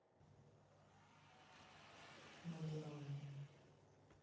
магеллан